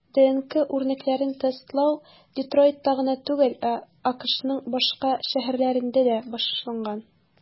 ДНК үрнәкләрен тестлау Детройтта гына түгел, ә АКШның башка шәһәрләрендә дә башланган.